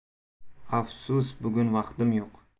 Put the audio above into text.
afsus bugun vaqtim yo'q